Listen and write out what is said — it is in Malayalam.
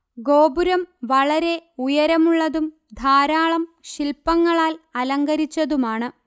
ഗോപുരം വളരെ ഉയരമുള്ളതും ധാരാളം ശില്പങ്ങളാൽ അലങ്കരിച്ചതുമാണ്